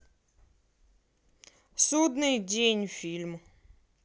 судный день фильм